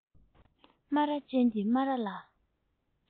སྨ ར ཅན གྱི སྨ ར ལ